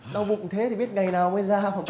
đau bụng thế thì biết ngày nào mới ra